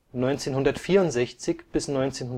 1964 bis 1976